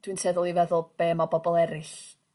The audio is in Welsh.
dwi'n tueddol i feddwl be' ma' bobol eryll